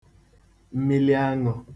mmiliaṅụ̄